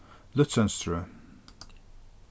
lützenstrøð